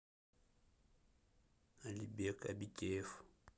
алибек абитеев